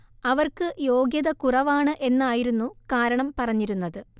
അവർക്ക് യോഗ്യത കുറവാണ് എന്നായിരുന്നു കാരണം പറഞ്ഞിരുന്നത്